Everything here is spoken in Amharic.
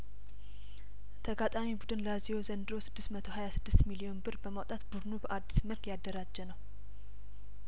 ተጋጣሚ ቡድን ላዚዮ ዘንድሮ ስድስት መቶ ሀያስድስት ሚሊዮን ብር በማውጣት ቡድኑ በአዲስ መልክ ያደራጀ ነው